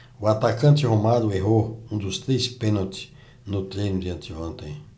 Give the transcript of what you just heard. o atacante romário errou um dos três pênaltis no treino de anteontem